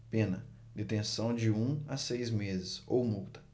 pena detenção de um a seis meses ou multa